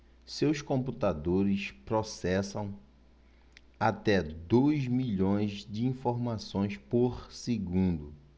seus computadores processam até dois milhões de informações por segundo